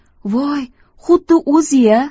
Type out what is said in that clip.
voy xuddi o'zi ya